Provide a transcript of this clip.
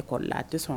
École la a te sɔn.